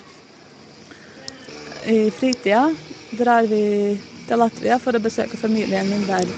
I fritida drar vi til Latvia for å besøke familien min der.